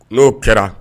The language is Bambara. N'o kɛra